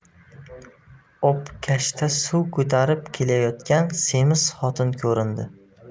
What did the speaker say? obkashda suv ko'tarib kelayotgan semiz xotin ko'rindi